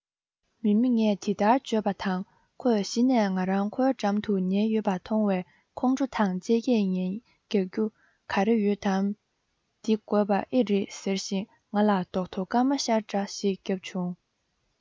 མཱེ མཱེ ངས འདི ལྟར བརྗོད པ དང ཁོས གཞི ནས ང རང ཁོའི འགྲམ དུ ཉལ ཡོད པ མཐོང བས ཁོང ཁྲོ དང བཅས སྐད ངན རྒྱག རྒྱུ ག རེ ཡོད དམ འདི དགོས པ ཨེ རེད ཟེར བཞིན ང ལ རྡོག ཐོ སྐར མ ཤར འདྲ ཞིག བརྒྱབ བྱུང